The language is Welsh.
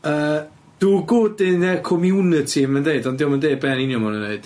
Yy do good in the community mae'n deud ond 'di o'm yn deud be' yn union ma' nw'n neud.